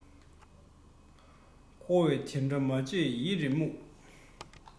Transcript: ཁོ བོས དེ འདྲ མ འཇོན ཡིད རེ རྨུགས